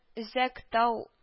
Өзәк тау